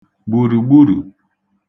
gbùrùgburù